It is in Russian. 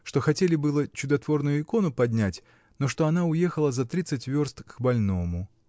что хотели было чудотворную икону поднять, но что она уехала за тридцать верст к больному.